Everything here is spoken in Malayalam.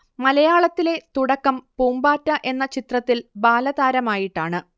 മലയാളത്തിലെ തുടക്കം പൂമ്പാറ്റ എന്ന ചിത്രത്തിൽ ബാലതാരമായിട്ടാണ്